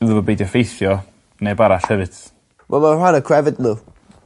iddo fo beidio effeithio neb arall hefyd. Wel ma' fe'n rhan o crefydd n'w.